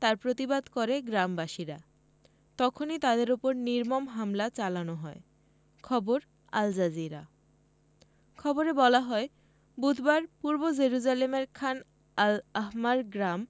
তার প্রতিবাদ করে গ্রামবাসীরা তখনই তাদের ওপর নির্মম হামলা চালানো হয় খবর আল জাজিরা খবরে বলা হয় বুধবার পূর্ব জেরুজালেমের খান আল আহমার গ্রাম